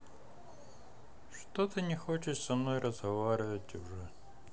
что ты не хочешь со мной разговаривать уже